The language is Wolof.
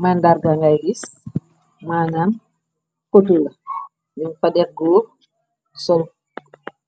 Mandarga ngay ris maanaan kotu la yun padexgoo sol